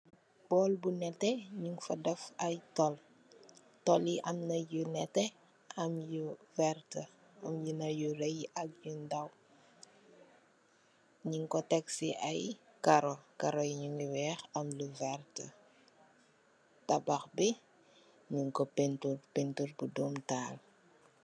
Bool bu nétté ñung fa def ay told, am na yu nétté, am yu werta. Am na yu rëy am na yu ndaw. Ñunk ko tek si kow karo. Karro yi ñu ngi am lu weex, am lu werta, tabax bi, ñung ko peentir peentir bu doom taal.